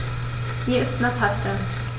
Mir ist nach Pasta.